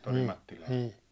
niin niin